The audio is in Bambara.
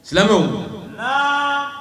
Silamɛw, naamu